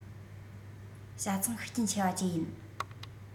བྱ ཚང ཤུགས རྐྱེན ཆེ བ བཅས ཡིན